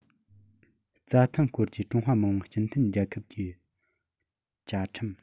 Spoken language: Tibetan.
རྩྭ ཐང སྐོར གྱི ཀྲུང ཧྭ མི དམངས སྤྱི མཐུན རྒྱལ ཁབ ཀྱི བཅའ ཁྲིམས